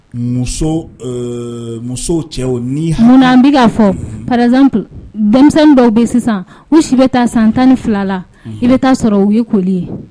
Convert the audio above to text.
Muso muso cɛ ni munna an bɛ' fɔ paz denmisɛnnin dɔw bɛ sisan u si bɛ taa san tan ni fila la i bɛ taa sɔrɔ u ye koli ye